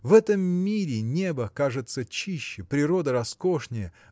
В этом мире небо кажется чище, природа роскошнее